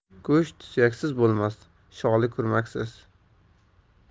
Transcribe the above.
go'sht suyaksiz bo'lmas sholi kurmaksiz